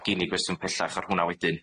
Ma' gen i gwestiwn pellach ar hwnna wedyn.